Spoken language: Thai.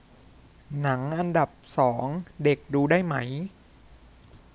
หนังอันดับสองเด็กดูได้ไหม